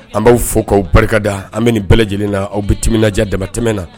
An b'aw fo k'aw barika da an bɛɛ lajɛlen na aw bɛ timinaja damatɛmɛ na.